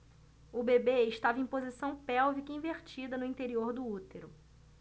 o bebê estava em posição pélvica invertida no interior do útero